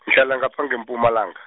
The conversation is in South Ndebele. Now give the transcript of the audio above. nge hlala ngapha nge- Mpumalanga.